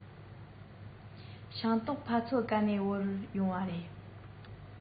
ཤིང ཏོག ཕ ཚོ ག ནས དབོར ཡོང བ རེད